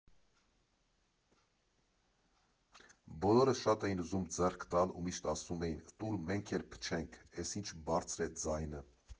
Բոլորը շատ էին ուզում ձեռք տալ ու միշտ ասում էին՝ տուր մենք էլ փչենք, էս ինչ բա՜րձր է ձայնը։